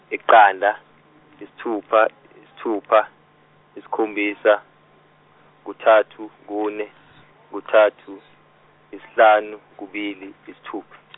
yiqanda yisithupa yisithupa, yisikhombisa, kuthatu kune kuthatu, yisihlanu kubili yisithupa.